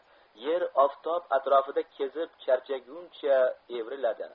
yer oftob atrofida kezib charchatuncha evriladi